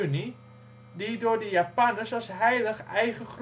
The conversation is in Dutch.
die door de Japanners als ' heilig ' eigen